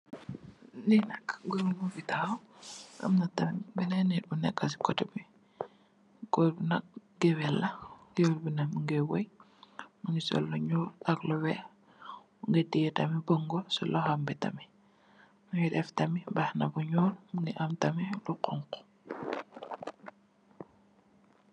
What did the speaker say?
There's a man standing here. There's another person on the side who is a griot. The griot is wearing black and white with bongo in his hand whilst singing. He's also wearing a black and red hat.